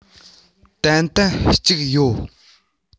ཏན ཏན གཅིག ཡོད